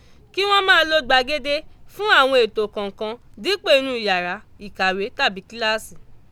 Kí wọ́n máa lo gbàgede fún àwọn ètò kọ̀ọ̀kan dípò inú ìyàrá ìkàwé tàbí kíláàsì.